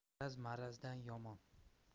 g'araz marazdan yomon